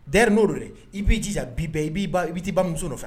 D'ailleurs dɛ i b'i jija bi bɛɛ i b' i ba wele, i bɛ ta i bamuso nɔfɛ